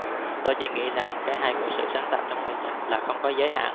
tôi chỉ nghĩ rằng cái hay của sự sáng tạo trong nghệ thuật là không có giới hạn